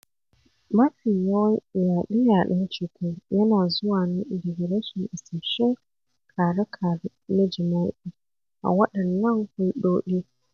Mafi yawan yaɗe-yaɗen cutar yana zuwa ne daga rashin isasshun kare-kare na jima'i a waɗannan hulɗoɗi.